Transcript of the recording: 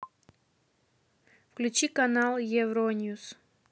включи канал евроньюс